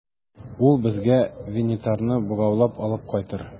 Ул безгә Винитарны богаулап алып кайтыр.